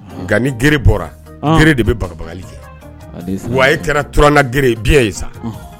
Nka ni g bɔra de bɛ baga kɛ wa kɛra tna g ye bi ye sa